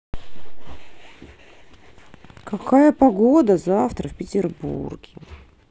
какая погода завтра в петербурге